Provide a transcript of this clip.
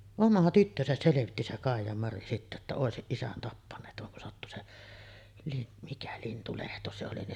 oma tyttönsä selvitti se Kaijamari sitten että olisi isän tappaneet vaan kun sattui se - mikä Lintulehto se oli niin